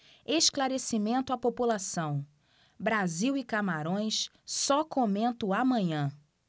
esclarecimento à população brasil e camarões só comento amanhã